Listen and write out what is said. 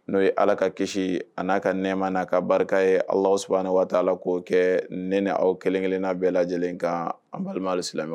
N'o ye ala ka kisi ani n'a ka nɛma n'a ka barika ye ala s ni waa la k'o kɛ ne ni aw kelenkelen' bɛɛ lajɛlen kan an balima silamɛ